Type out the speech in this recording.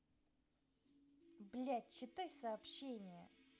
блядь читай сообщение